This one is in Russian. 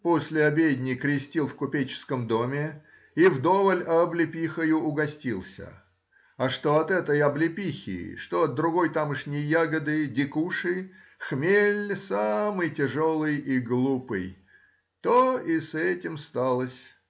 после обедни крестил в купеческом доме и вдоволь облепихою угостился, а что от этой облепихи, что от другой тамошней ягоды, дикуши, хмель самый тяжелый и глупый. То и с этим сталось